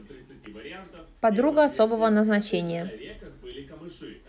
подруга особого назначения